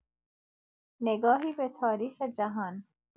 نگاهی به‌تاریخ جهان